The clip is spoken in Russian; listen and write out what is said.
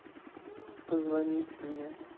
позвонить мне